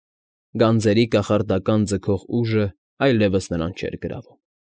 Գանձերի կախարդական ձգող ուժն այլևս նրան չէր գրավում։